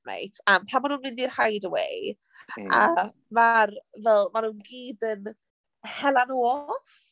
Reit am pan maen nhw'n mynd i'r hideaway a mae'r... fel maen nhw i gyd yn hela nhw off.